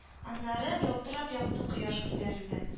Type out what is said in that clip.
Аннары, ялтырап, якты кояш күтәрелде